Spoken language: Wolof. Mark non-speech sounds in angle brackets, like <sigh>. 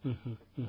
<hesitation> <hesitation>